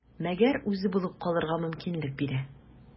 Мәгәр үзе булып калырга мөмкинлек бирә.